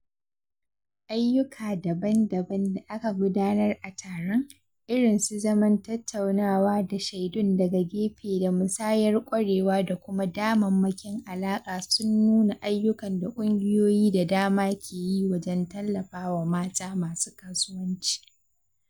Ayyuka daban-daban da aka gudanar a taron, irin su zaman tattaunawa da shaidun daga gefe da musayar ƙwarewa da kuma damammakin alaƙa sun nuna ayyukan da ƙungiyoyi da dama ke yi wajen tallafawa mata masu kasuwanci.